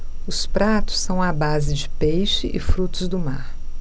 os pratos são à base de peixe e frutos do mar